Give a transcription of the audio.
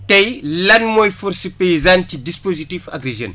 tey lan mooy force paysane ci dispositif Agri Jeunes